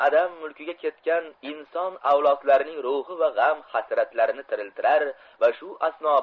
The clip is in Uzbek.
adam mulkiga ketgan inson glodlarining mhi va g'am hasratlarini tiriltirar va shu asno